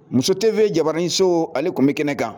Muso TV jabaraniso ale tun bɛ kɛnɛ kan.